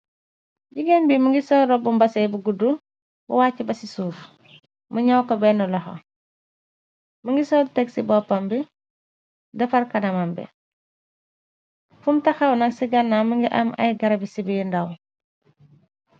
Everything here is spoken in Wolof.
Jigéen bi mi ngi sol ropbu mbasee bu guddu bu wàcha ba ci suuf. Mu ñaw ko benn loxo. Mi ngi sol teg ci boppam bi defar kanamam bi. Fum taxaw nag ci gannaw mi ngi am ay garabi cire ndaw.